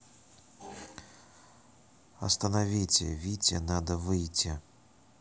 остановите вите надо выйти